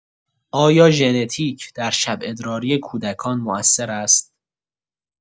آیا ژنتیک در شب‌ادراری کودکان موثر است؟